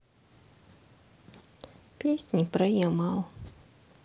песни про ямал